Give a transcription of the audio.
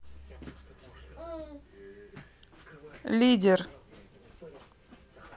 лидер